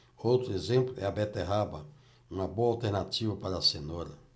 outro exemplo é a beterraba uma boa alternativa para a cenoura